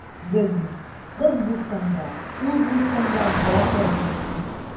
Белмим: кыз булсаң да, ул булсаң да, батыр булып үс!